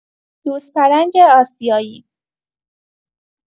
یوزپلنگ آسیایی